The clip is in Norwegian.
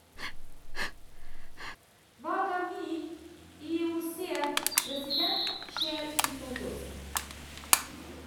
Valg av ny IOC-president skjer i 2000.